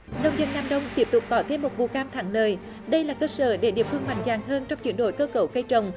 nông dân nam đông tiếp tục có thêm một vụ cam thắng lợi đây là cơ sở để địa phương mạnh dạn hơn trong chuyển đổi cơ cấu cây trồng